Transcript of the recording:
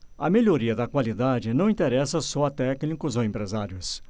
a melhoria da qualidade não interessa só a técnicos ou empresários